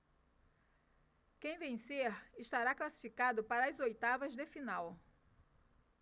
quem vencer estará classificado para as oitavas de final